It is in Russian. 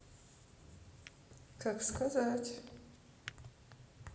как сказать